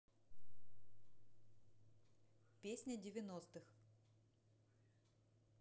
песня девяностых